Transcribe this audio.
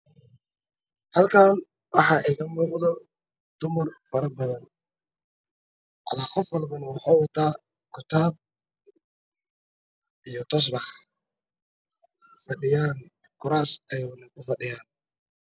Halkan waxaa iiga muuqdo dumar fara badan qof walbana waxa uu wataa kitaab iyo tusbax kuraas ayayna ku fa dhiyaan